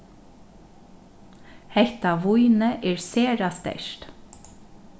hetta vínið er sera sterkt